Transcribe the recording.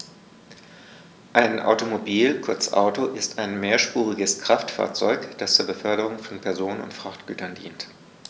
Ein Automobil, kurz Auto, ist ein mehrspuriges Kraftfahrzeug, das zur Beförderung von Personen und Frachtgütern dient.